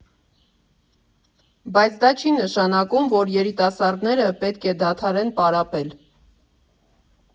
Բայց դա չի նշանակում, որ երիտասարդները պետք է դադարեն պարապել։